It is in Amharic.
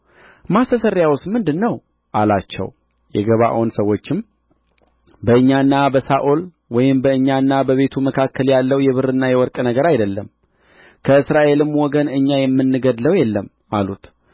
ማስተስረያውስ ምንድን ነው አላቸው የገባዖን ሰዎችም በእኛና በሳኦል ወይም በእኛና በቤቱ መካከል ያለው የብርና የወርቅ ነገር አይደለም ከእስራኤልም ወገን እኛ የምንገድለው የለም አሉት